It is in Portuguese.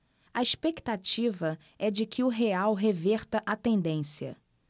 a expectativa é de que o real reverta a tendência